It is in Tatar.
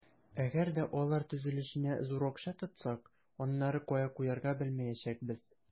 Әгәр дә алар төзелешенә зур акча тотсак, аннары кая куярга белмәячәкбез.